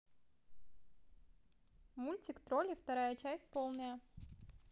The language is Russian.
мультик тролли вторая часть полная